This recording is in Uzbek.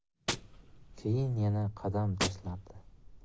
keyin yana qadam tashlardi